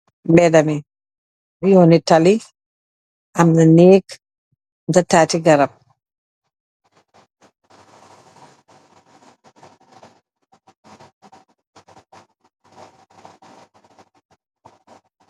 Mbedami, yonni talli am na nèk ak tatti garam.